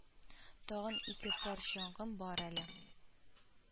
Тагын ике пар чаңгым бар әле